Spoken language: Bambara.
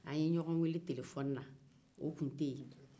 an ye ɲɔgɔn weele telefɔni na tun tɛ yen